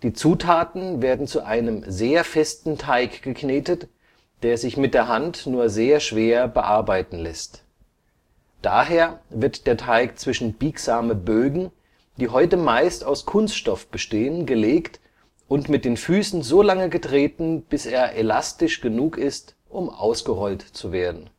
Zutaten werden zu einem sehr festen Teig geknetet, der sich mit der Hand nur sehr schwer bearbeiten lässt. Daher wird der Teig zwischen biegsame Bögen, die heute meist aus Kunststoff bestehen, gelegt und mit den Füßen so lange getreten, bis er elastisch genug ist, um ausgerollt zu werden